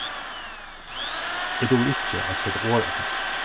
eg dugi ikki at seta orð á tað